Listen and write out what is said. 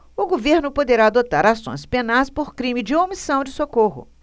o governo poderá adotar ações penais por crime de omissão de socorro